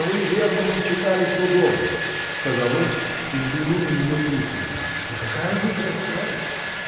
— Вы, верно, не читали Прудона, — сказал он и взглянул на нее пристально. — Да какая вы красавица!